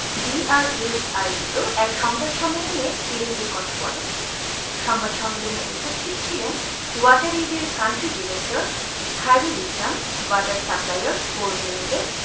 DRU আয়োজিত এক সংবাদ সম্মেলন এ তিনি এ কথা বলেন সংবাদ সম্মেলনে উপস্থিত ছিলেন ওয়াটার এইডের country director Khairul Islam water সাপ্লাইর কর্ডিনেটর